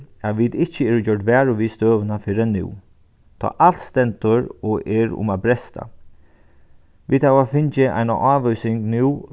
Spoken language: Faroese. at vit ikki eru gjørd varug við støðuna fyrr enn nú tá alt stendur og er um at bresta vit hava fingið eina ávísing nú